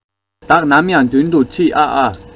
བདག ནམ ཡང མདུན དུ ཁྲིད ཨ ཨ